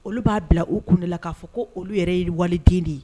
Olu b'a bila u kunda la k'a fɔ ko olu yɛrɛ ye waliden de ye